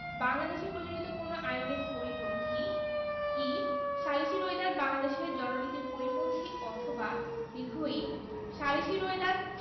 বাংলাদেশে প্রচলিত কোন আইনের পরিপন্থী ই সালিসী রোয়েদাদ বাংলাদেশের জননীতির পরিপন্থী অথবা ঈ সালিসী রোয়েদাদ